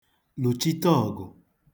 lụ̀chite ọ̀gụ̀